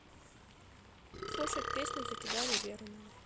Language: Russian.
слушать песню закидали веру нам